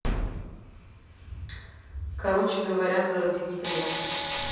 короче говоря заразился я